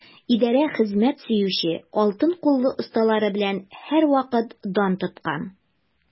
Идарә хезмәт сөюче, алтын куллы осталары белән һәрвакыт дан тоткан.